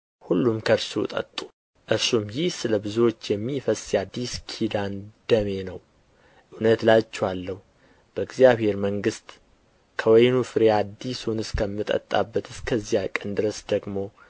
ሁሉም ከእርሱ ጠጡ እርሱም ይህ ስለ ብዙዎች የሚፈስ የአዲስ ኪዳን ደሜ ነው እውነት እላችኋለሁ በእግዚአብሔር መንግሥት ከወይኑ ፍሬ አዲሱን እስከምጠጣበት እስከዚያ ቀን ድረስ ደግሞ